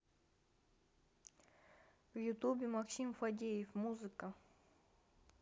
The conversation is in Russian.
в ютубе максим фадеев музыка